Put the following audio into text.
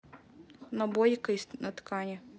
набойка на ткани